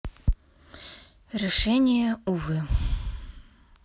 решение увы